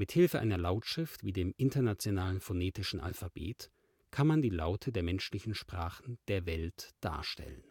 Hilfe einer Lautschrift wie dem Internationalen Phonetischen Alphabet kann man die Laute der menschlichen Sprachen der Welt darstellen